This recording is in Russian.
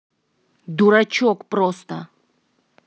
дурачок просто